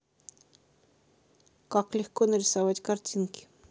как легко нарисовать картинки